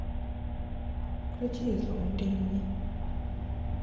включи излом времени